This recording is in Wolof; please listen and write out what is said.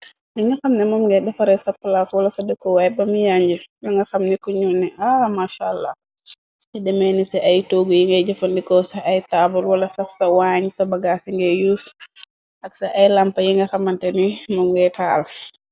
Li nga xamne moom ngay defaree sa palas wala sa dëkkoowaay bami yànj ya nga xam ni ku ñu ni aalamachala ci demee ni ci ay toogu yi ngay jëfandikoo sa ay taabur wala saf sa waañ sa bagaa yi ngay yuus ak sa ay lampa yi nga xamante ni moom ngay taal.